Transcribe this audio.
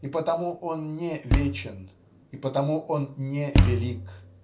И потому он не вечен, и потому он не велик.